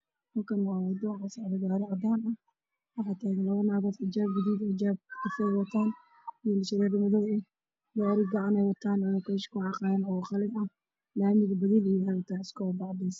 Waa laami waxaa xaqaayo gabdho oo wataan badeello iyo sakalo